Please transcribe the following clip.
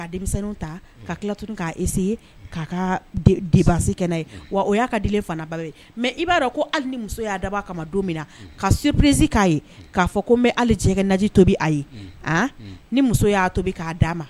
Ta' k'a de ye wa o y'a ka di fana baba ye mɛ i b'a dɔn ko hali ni muso y'a da a don min na ka superez k'a ye k'a fɔ ko alijɛ naaji tobi a ye ni muso y'a to bɛ k'a d'a ma